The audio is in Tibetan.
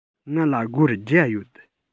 ང ལ སྒོར བརྒྱ ཡོད